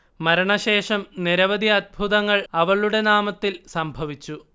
മരണശേഷം നിരവധി അത്ഭുതങ്ങൾ അവളുടെ നാമത്തിൽ സംഭവിച്ചു